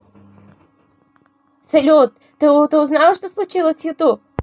салют ты узнала что случилось с youtube